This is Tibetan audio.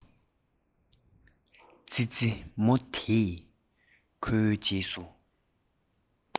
ཙི ཙི མོ དེས ཁོའི རྗེས སུ